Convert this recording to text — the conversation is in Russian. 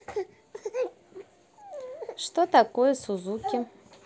что такое сузуки